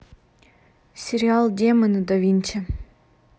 сериал демоны да винчи